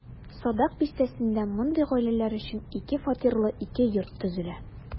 Садак бистәсендә мондый гаиләләр өчен ике фатирлы ике йорт төзелә.